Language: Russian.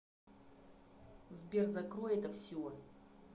сбер закрой это все